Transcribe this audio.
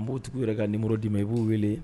N b tigi u yɛrɛ ka ninimo dii ma i b'u wele